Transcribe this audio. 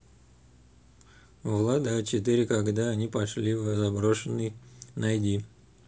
влада а четыре когда они пошли в заброшенный найди